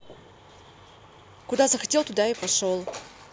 куда захотел туда и пошел